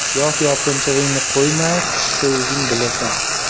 yoz yopinchig'ingni qo'yma qishda o'zing bilasan